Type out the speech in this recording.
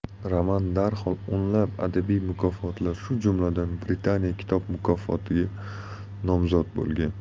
roman darhol o'nlab adabiy mukofotlar shu jumladan britaniya kitob mukofotiga nomzod bo'lgan